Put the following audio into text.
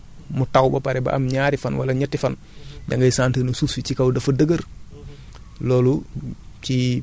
tey jii bu ñu seetloo bu boo nekkee ci tool mu taw ba pare ba am ñaari fan wala ñetti fan